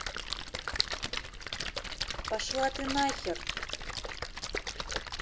пошла ты нахер